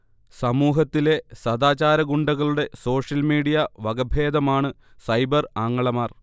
സമൂഹത്തിലെ സദാചാരഗുണ്ടകളുടെ social media വകഭേദമാണു സൈബർ ആങ്ങളമാർ